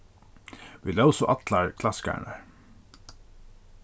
vit lósu allar klassikararnar